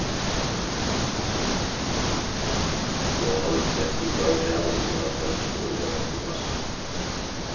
floghavnin slepti í gjár kravinum um at fólk skulu vera í masku